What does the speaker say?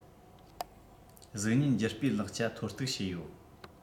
གཟུགས བརྙན རྒྱུ སྤུས ལེགས ཆ ཐོ གཏུག བྱེད ཡོད